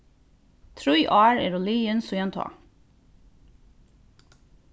trý ár eru liðin síðan tá